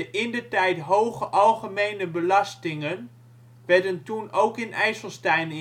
indertijd hoge algemene belastingen werden toen ook in IJsselstein ingevoerd